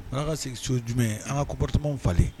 An ka segin so ye jumɛn ye? An ka comportements u falen.